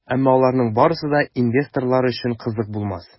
Әмма аларның барысы да инвесторлар өчен кызык булмас.